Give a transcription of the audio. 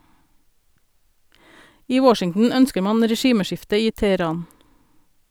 I Washington ønsker man regimeskifte i Teheran.